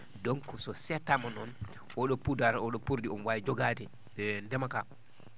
donc so seettaama noon o?o puudar o?o produit omo waawi jogaade ndema kaa